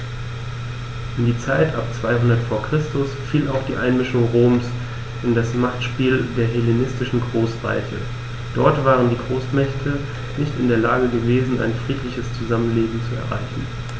In die Zeit ab 200 v. Chr. fiel auch die Einmischung Roms in das Machtspiel der hellenistischen Großreiche: Dort waren die Großmächte nicht in der Lage gewesen, ein friedliches Zusammenleben zu erreichen.